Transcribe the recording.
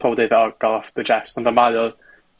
powb deud o ga'l o off the chest ond y mae o